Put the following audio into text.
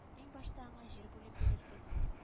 Иң башта аңа җир бүлеп бирербез